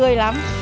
tươi lắm